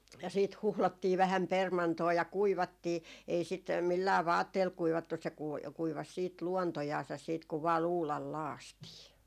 ja sitten huuhdottiin vähän permantoa ja kuivattiin ei sitä millään vaatteella kuivattu se - kuivasi sitten luontojansa sitten kun vain luudalla lakaistiin